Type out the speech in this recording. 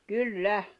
kyllä